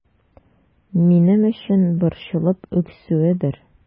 Минем өчен борчылып үксүедер...